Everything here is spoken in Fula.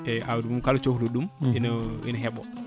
eyyi awdi mum kala cohluɗo ɗum ina ina heeɓo